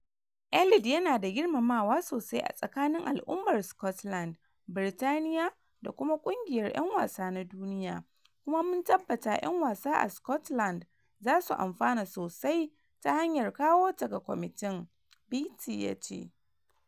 "Eilidh yana da girmamawa sosai a tsakanin al'ummar Scotland, Birtaniya da kuma kungiyar 'yan wasa na duniya, kuma mun tabbata yan wasa a Scotland za su amfana sosai ta hanyar kawo ta ga kwamitin," Beattie ya ce.